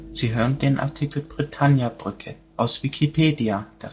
Sie hören den Artikel Britanniabrücke, aus Wikipedia